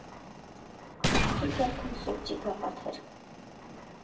Ամենքի ձեռքում սուրճի գավաթ էր։